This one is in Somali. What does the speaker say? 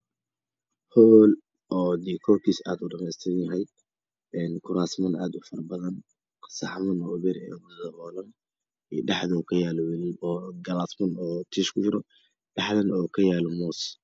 Hool oo dukurishikiisu aad udhames tiran yahay kuraasman aad ufara badan saxaman iyo galasman uu ku jiro tiish dhexdana moska yalo